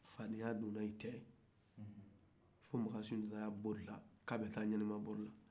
fadeya dona u cɛ fo makan sunjata bollila k'a bɛ ta